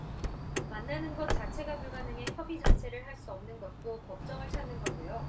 만나는 것 자체가 불가능해 협의 자체를 할 수 없는 것도 법정을 찾는 건데요